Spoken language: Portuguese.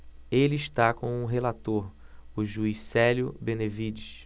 ele está com o relator o juiz célio benevides